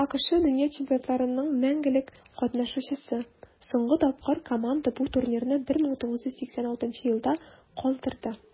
АКШ - дөнья чемпионатларының мәңгелек катнашучысы; соңгы тапкыр команда бу турнирны 1986 елда калдырды.